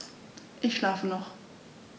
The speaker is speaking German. Ich schlafe noch.